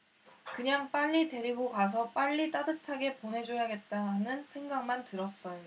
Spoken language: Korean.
그냥 빨리 데리고 가서 빨리 따뜻하게 보내줘야겠다 하는 생각만 들었어요